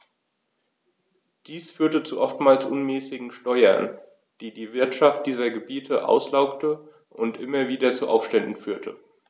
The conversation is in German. Dies führte zu oftmals unmäßigen Steuern, die die Wirtschaft dieser Gebiete auslaugte und immer wieder zu Aufständen führte.